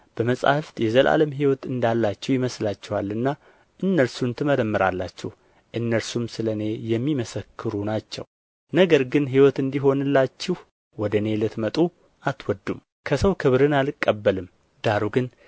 በመጻሕፍት የዘላለም ሕይወት እንዳላችሁ ይመስላችኋልና እነርሱን ትመረምራላችሁ እነርሱም ስለ እኔ የሚመሰክሩ ናቸው ነገር ግን ሕይወት እንዲሆንላችሁ ወደ እኔ ልትመጡ አትወዱም ከሰው ክብርን አልቀበልም ዳሩ ግን